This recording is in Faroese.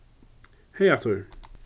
hey aftur